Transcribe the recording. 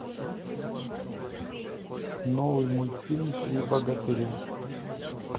новый мультфильм три богатыря